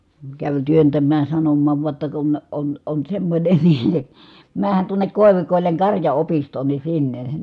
kävi työntämään ja sanomaan vain jotta kun on on semmoinen niin menehän tuonne koivikoille karjaopistoon niin sinne